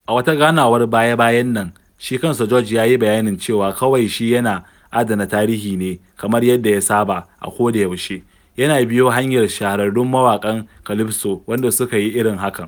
A wata ganawar baya-bayan nan, shi kansa George ya yi bayanin cewa kawai shi yana "adana tarihi" ne kamar yadda ya saba "a koyaushe" yana biyo hanyar shahararrun mawaƙan calypso waɗanda suka yi irin hakan.